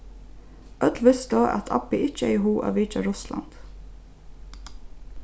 øll vistu at abbi ikki hevði hug at vitja russland